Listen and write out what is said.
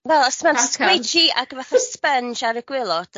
Wel os ma'n... Cacan. ...squidgy ag fatha sponge ar gwilod